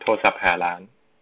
โทรศัพท์หาร้าน